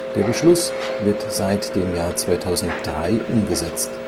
Der Beschluss wird seit dem Jahr 2003 umgesetzt